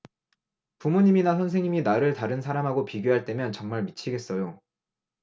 부모님이나 선생님이 나를 다른 사람하고 비교할 때면 정말 미치겠어요